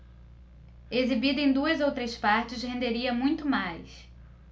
exibida em duas ou três partes renderia muito mais